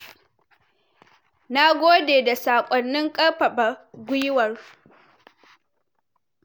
Na gode da sakwannin karfafa gwiwar!”